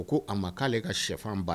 U ko a ma k'ale ka shɛfan ba